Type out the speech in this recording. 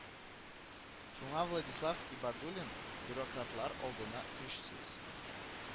Шуңа Владислав Ибадуллин бюрократлар алдында көчсез